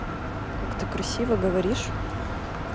как ты красиво говоришь